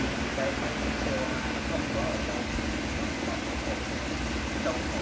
để cho khí co không còn tích trong phổi nó phải trống phổi